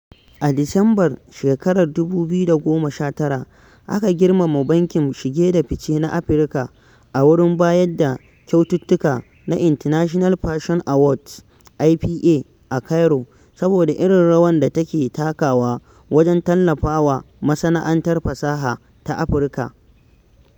A Disambar shekarar 2019 aka girmama Bankin Shige da Fice na Afirka a wurin bayar da kyaututtuka na 'International Fashion Awards (IFA) ' a Cairo, saboda irin rawar da take takawa wajen tallafa wa Masana'antar Fasaha ta Afirka.